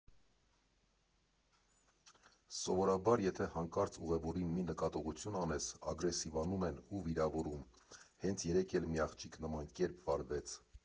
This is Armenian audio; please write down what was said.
Սովորաբար, եթե հանկարծ ուղևորին մի նկատողություն անես, ագրեսիվանում են ու վիրավորում, հենց երեկ էլ մի աղջիկ նման կերպ վարվեց։